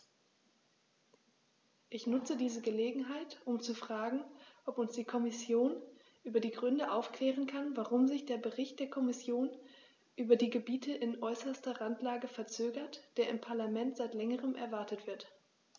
Ich nutze diese Gelegenheit, um zu fragen, ob uns die Kommission über die Gründe aufklären kann, warum sich der Bericht der Kommission über die Gebiete in äußerster Randlage verzögert, der im Parlament seit längerem erwartet wird.